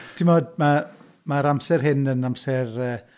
Timod, mae... mae'r amser hyn yn amser yy...